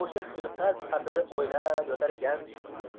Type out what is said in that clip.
o'sha xilqat haqida o'ylab yotarkan